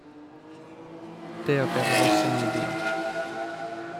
Det å vera vossing i by'n.